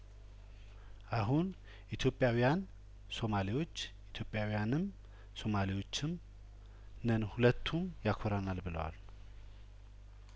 አሁን ኢትዮጵያውያን ሶማሌዎች ኢትዮጵያውያንም ሶማሌዎችም ነን ሁለቱ ያኮራናል ብለዋል